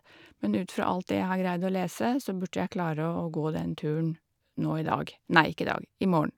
Men ut fra alt det jeg har greid å lese, så burde jeg klare å gå den turen nå i dag nei ikke i dag, imorgen.